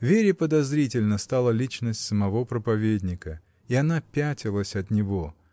Вере подозрительна стала личность самого проповедника — и она пятилась от него